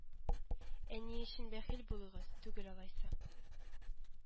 Әни өчен бәхил булыгыз түгел алайса